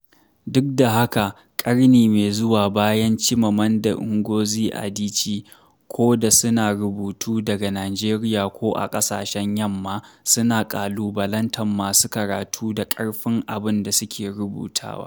Duk da haka, ƙarni mai zuwa bayan Chimamanda Ngozi Adichie, ko da suna rubutu daga Najeriya ko a kasashen Yamma, suna kalubalantar masu karatu da ƙarfin abin da suke rubutawa.